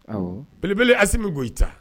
Awɔ bele bele Asimi Goyita.